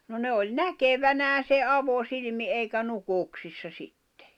no ne oli näkevinään sen avosilmin eikä nukuksissa sitten